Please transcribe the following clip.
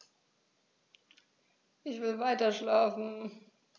Ich will weiterschlafen.